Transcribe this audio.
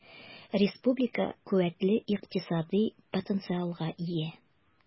Республика куәтле икътисади потенциалга ия.